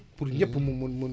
est ce mun na am loolu